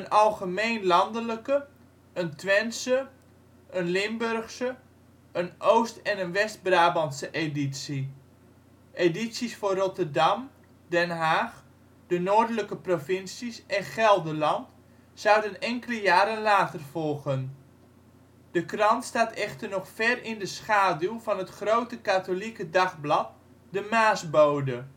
algemeen landelijke, een Twentse, een Limburgse, een Oost - en een West-Brabantse editie. Edities voor Rotterdam, Den Haag, de noordelijke provincies en Gelderland zouden enkele jaren later volgen. De krant staat echter nog ver in de schaduw van het grote katholieke dagblad, de Maasbode